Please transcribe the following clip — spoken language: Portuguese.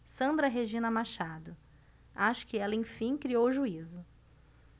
sandra regina machado acho que ela enfim criou juízo